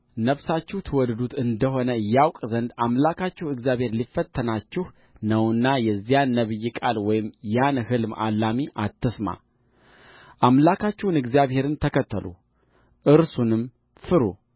ነፍሳችሁ ትወድዱት እንደ ሆነ ያውቅ ዘንድ አምላካችሁ እግዚአብሔር ሊፈትናችሁ ነውና የዚያን ነቢይ ቃል ወይም ያን ሕልም አላሚ አትስማ አምላካችሁን አግዚአብሔርን ተከተሉ እርሱንም ፍሩ